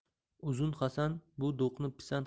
uzun hasan bu do'qni pisand